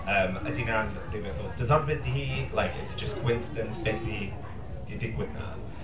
Yym ydy 'na'n rywbeth oedd diddordeb 'da hi, like is it just coincidence be sy di digwydd 'na?